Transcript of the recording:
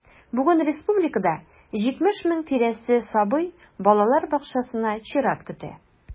Бүген республикада 70 мең тирәсе сабый балалар бакчасына чират көтә.